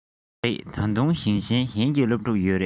མ རེད ད དུང ཞིང ཆེན གཞན གྱི སློབ ཕྲུག ཡོད རེད